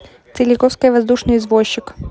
целиковская воздушный извозчик